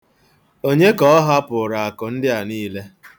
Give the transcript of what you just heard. Onye ka ọ hapụụrụ akụ ndị a niile?